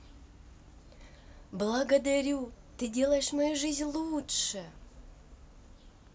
благодарю ты делаешь мою жизнь лучше